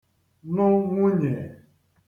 nụ nwunyè